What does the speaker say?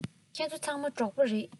ཁྱེད ཚོ ཚང མ འབྲོག པ རེད